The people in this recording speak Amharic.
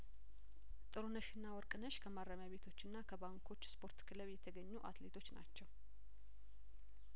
ጥሩነሽና ወርቅነሽ ከማረሚያ ቤቶችና ከባንኮች ስፖርት ክለብ የተገኙ አትሌቶች ናቸው